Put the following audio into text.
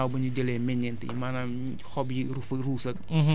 gannaaw bu ñu jëlee meññeent yi maanaam xob yi ruus ak